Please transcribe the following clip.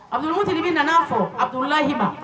Adumtigi bɛ nana fɔ a toralahiba